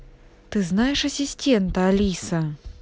ты знаешь ассистента алиса